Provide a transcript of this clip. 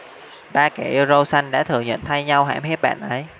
ba kẻ yêu râu xanh đã thừa nhận thay nhau hãm hiếp bạn ấy